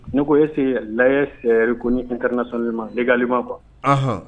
Ne ko ese la rik ntarna sanu ma hgali ma ban